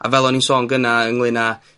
A fel o'n i'n sôn gyna ynglŷn â